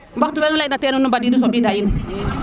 wax tu fe nu ley na teen nu mbadi du so ɓinda in